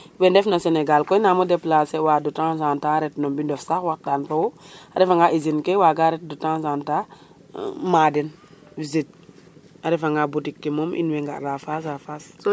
we ndef na Senegal koy nanga mo deplacer wa de temps en temps ret no mbinof sax waxtan fo wo usine ke waga ret no de temps en temps ma den visite a refa nga boutique ke mom in mboy nga ra face à face